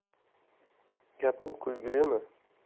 gapim kulgilimi